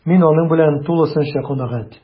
Мин аның белән тулысынча канәгать: